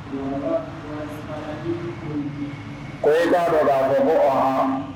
ko i ka dɔn ka fɔ ko anhan